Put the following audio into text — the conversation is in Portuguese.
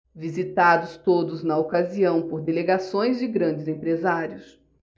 visitados todos na ocasião por delegações de grandes empresários